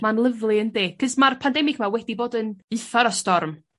Ma'n lyfli yndi? 'Cos ma'r pandemic 'ma wedi bod yn uffar o storm.